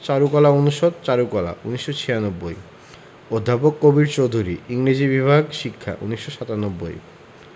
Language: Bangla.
চারুকলা অনুষদ চারুকলা ১৯৯৬ অধ্যাপক কবীর চৌধুরী ইংরেজি বিভাগ শিক্ষা ১৯৯৭